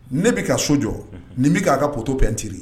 Ne bɛ ka so jɔ nin bɛ k' a ka ptop petiri